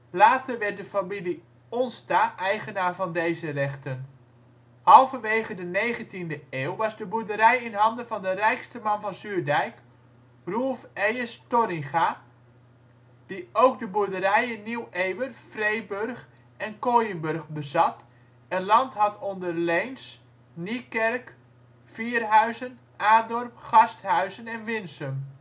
Later werd de familie Onsta eigenaar van deze rechten. Halverwege de 19e eeuw was de boerderij in handen van de rijkste man van Zuurdijk, Roelf Eyes Torringa, die ook de boerderijen Nieuw Ewer, Freeburg en Kooienburg bezat en land had onder Leens, Niekerk, Vierhuizen, Adorp, Garsthuizen en Winsum